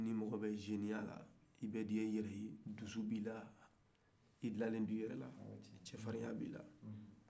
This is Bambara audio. ni mɔgɔ bɛ zeniya la i bɛ diya i yɛrɛ dusu b'i la i dalen do i yɛrɛ la cɛfariya b'i la